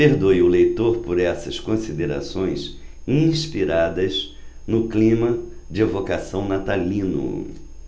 perdoe o leitor por essas considerações inspiradas no clima de evocação natalino